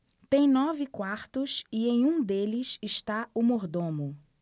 tem nove quartos e em um deles está o mordomo